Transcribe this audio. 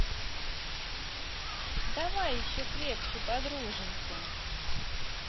давай еще крепче подружимся